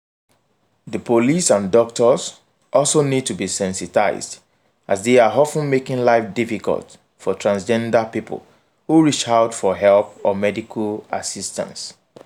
The police and doctors also need to be sensitized as they are often making life difficult for Transgender people who reach out for help or medical assistance.